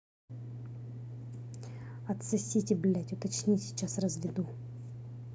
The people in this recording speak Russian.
отсосите блядь уточни сейчас разведу